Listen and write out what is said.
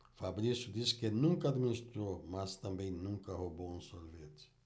fabrício disse que nunca administrou mas também nunca roubou um sorvete